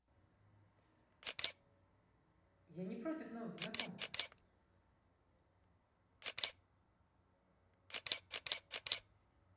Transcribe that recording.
я не против новых знакомств